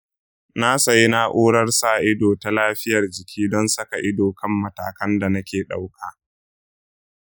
na sayi na'urar sa ido ta lafiyar jiki don saka ido kan matakan da nake ɗauka.